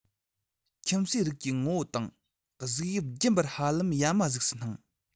ཁྱིམ གསོས རིགས ཀྱི ངོ བོ དང གཟུགས དབྱིབས རྒྱུན པར ཧ ལམ ཡ མ གཟུགས སུ སྣང